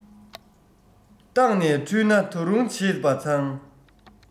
བརྟགས ནས འཁྲུལ ན ད རུང བྱེད བྱེད པ མཚང